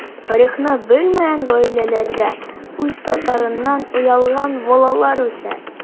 Тарихын белмәгән гаиләләрдә үз татарыннан оялган балалар үсә.